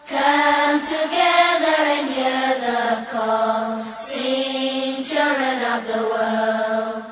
Santigɛ ja laban nk yo la laban